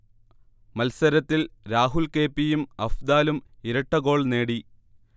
മത്സരത്തിൽ Rahul K. P. യും അഫ്ദാലും ഇരട്ടഗോൾ നേടി